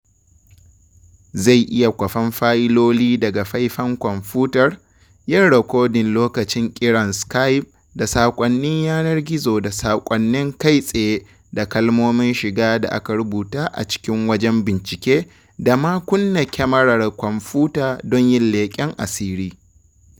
Zai iya kwafan fayiloli daga faifin kwamfutar, yin rikodin lokacin ƙiran Skype da saƙonnin yanar gizo da saƙonnin kai tsaye da kalmomin shiga da aka rubuta a cikin wajen bincike da ma kunna kyamarar kwamfuta don yin leƙen asiri.